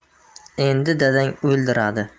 endi dadang o'ldiradi